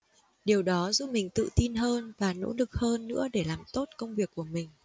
điều đó giúp mình tự tin hơn và nỗ lực hơn nữa để làm tốt công việc của mình